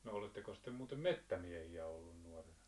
no olettekos te muuten metsämiehiä ollut nuorena